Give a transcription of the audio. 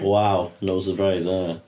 Wow, no surprise there.